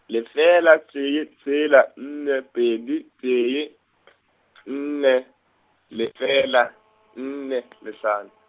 lefela tee tsela nne pedi tee , nne, lefela, nne le hlano.